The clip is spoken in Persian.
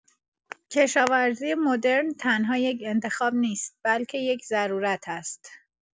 کشاورزی مدرن تنها یک انتخاب نیست، بلکه یک ضرورت است.